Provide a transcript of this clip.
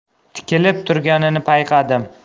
tikilib turganini payqadim